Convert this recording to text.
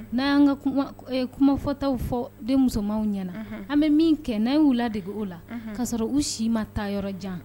N'a y' ka kumafɔtaw fɔ den musomanw ɲɛna an bɛ min kɛ n'a y'u la de' la kaa sɔrɔ u si ma taa yɔrɔ jan